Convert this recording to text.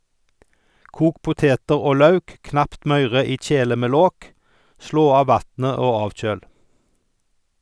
Kok poteter og lauk knapt møyre i kjele med lokk , slå av vatnet og avkjøl.